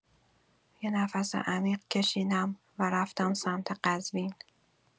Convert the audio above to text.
یه نفس عمیق کشیدم و رفتم سمت قزوین.